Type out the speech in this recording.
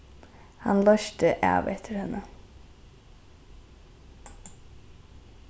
hann loysti av eftir henni